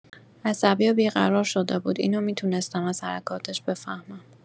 عصبی و بی‌قرار شده بود، اینو می‌تونستم از حرکاتش بفهمم.